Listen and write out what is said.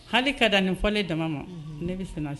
Hali ka dan nin fɔlen dama ma ne bɛ sen se